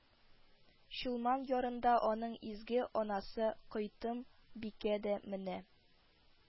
Чулман ярында аның изге анасы Койтым бикә дә менә